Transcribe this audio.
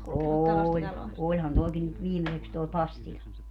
oli olihan tuokin nyt viimeiseksi tuo Pastila